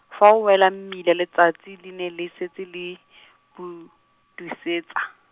fa a wela mmila letsatsi le ne le setse le , budusetsa.